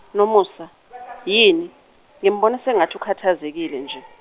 Nomusa, yini, ngimbone sengathi ukhathazekile nje.